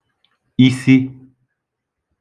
isi